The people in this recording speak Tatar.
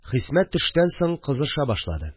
Хисмәт төштән соң кызыша башлады